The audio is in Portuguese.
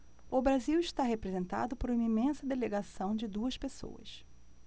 o brasil está representado por uma imensa delegação de duas pessoas